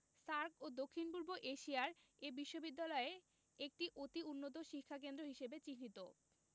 SAARC ও দক্ষিণ পূর্ব এশিয়ায় এ বিশ্ববিদ্যালয় একটি অতি উন্নত শিক্ষাক্ষেত্র হিসেবে চিহ্নিত